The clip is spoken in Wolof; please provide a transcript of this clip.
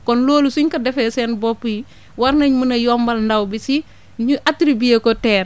kon loolu su ñu ko defee seen bopp yi war nañ mën a yombal ndaw bi si ñu attribué ko terre